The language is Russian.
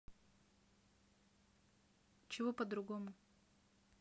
чего по другому